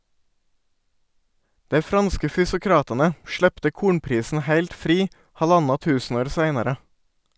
Dei franske fysiokratane slepte kornprisen heilt fri halvtanna tusenår seinare.